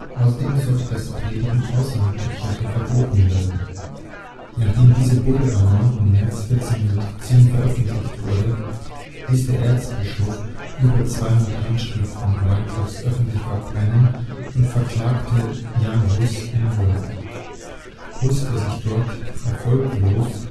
Außerdem sollte das Predigen außerhalb der Kirchen verboten werden. Nachdem diese Bulle am 9. März 1410 veröffentlicht wurde, ließ der Erzbischof über 200 Handschriften Wyclifs öffentlich verbrennen und verklagte Jan Hus in Rom. Hus, der sich dort erfolglos